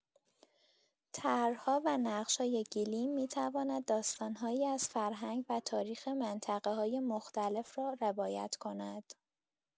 طرح‌ها و نقش‌های گلیم می‌تواند داستان‌هایی از فرهنگ و تاریخ منطقه‌های مختلف را روایت کند.